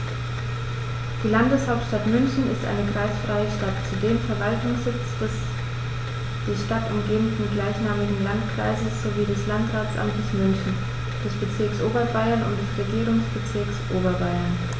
Die Landeshauptstadt München ist eine kreisfreie Stadt, zudem Verwaltungssitz des die Stadt umgebenden gleichnamigen Landkreises sowie des Landratsamtes München, des Bezirks Oberbayern und des Regierungsbezirks Oberbayern.